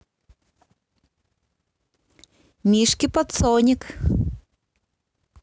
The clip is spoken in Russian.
мишки под sonic